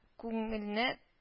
Күңелне